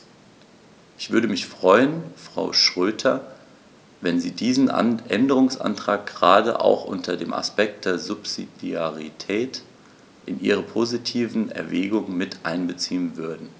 Ich würde mich freuen, Frau Schroedter, wenn Sie diesen Änderungsantrag gerade auch unter dem Aspekt der Subsidiarität in Ihre positiven Erwägungen mit einbeziehen würden.